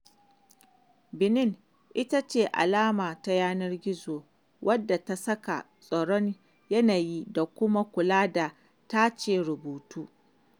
#Bénin ita ce alama ta yanar gizo, wadda ta saka tsoron yanayi da kuma kula da tace rubutu.